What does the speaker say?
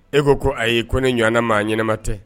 E ko ayi ko ne ɲɔgɔnana maa ɲɛnaɛnɛma tɛ